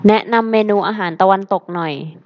แนะนำเมนูอาหารตะวันตกหน่อย